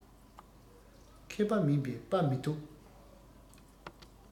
མཁས པ མིན པས དཔའ མི ཐོབ